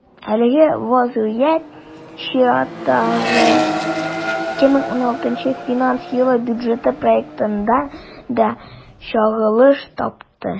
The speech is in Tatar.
Әлеге вазгыять чираттагы, 2016 финанс елы бюджеты проектында да чагылыш тапты.